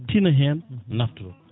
tiina hen naftoro